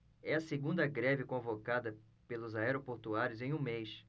é a segunda greve convocada pelos aeroportuários em um mês